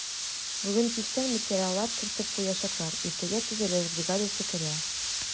Бүген кичтән материаллар кертеп куячаклар, иртәгә төзелеш бригадасы керә.